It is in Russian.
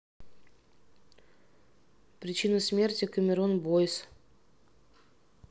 причина смерти cameron boyce